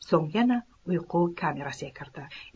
so'ng yana uyqu kamerasiga kirdi